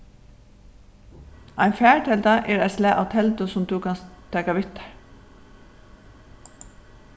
ein fartelda er eitt slag av teldu sum tú kanst taka við tær